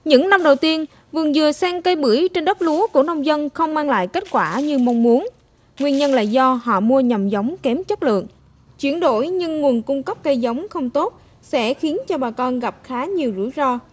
những năm đầu tiên vườn dừa xanh cây bưởi trên đất lúa của nông dân không mang lại kết quả như mong muốn nguyên nhân là do họ mua nhầm giống kém chất lượng chuyển đổi nhưng nguồn cung cấp cây giống không tốt sẽ khiến cho bà con gặp khá nhiều rủi ro